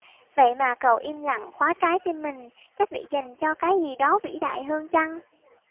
vậy mà cậu im lặng khóa trái tim mình chắc để giành cho cái gì đó vĩ đại hơn chăng